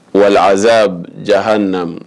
Wa azsa jaha na